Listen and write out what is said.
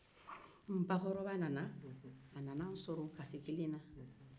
n ba kɔrɔba nana n sɔrɔ o kasi kelen na